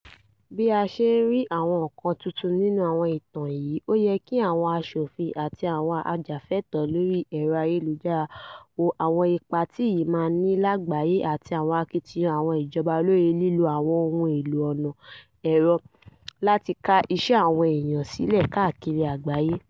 Bí a ṣe ń rí àwọn nǹkan tuntun nínú àwọn ìtàn yìí, ó yẹ kí àwọn aṣòfin àtí àwọn ajàfẹ́tọ̀ọ́ lóri ẹ̀rọ ayélujára wo àwọn ipa tí yìí máa ní lágbàáyé àti àwọn akitiyan àwọn ìjọba lórí lílo àwon ohun eelò ọ̀nà ẹ̀rọ láti ká iṣẹ́ àwọn èèyàn sílẹ̀ káàkirì ágbáyé.